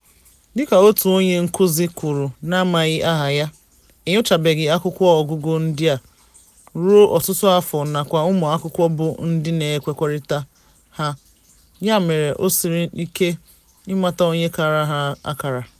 Dịka otu onye nkụzi kwuru n'amaghị aha ya, enyochabeghị akwụkwọ ọgụgụ ndị a ruo ọtụtụ afọ, nakwa ụmụakwụkwọ bụ ndị na-ekekọrịta ha, ya mere o siri ike ịmata onye kara ha akara.